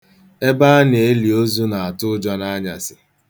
Ebe a na-eli ozu na-atụ ụjọ n’anyasị